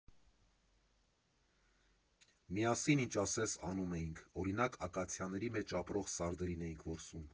Միասին ինչ ասես անում էինք, օրինակ՝ ակացիաների մեջ ապրող սարդերին էինք որսում։